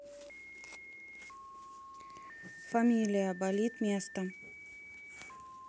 familia болит место